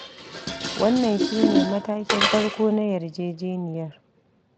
Wannan shi ne matakin farko na yarjejeniyar.